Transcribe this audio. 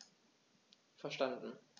Verstanden.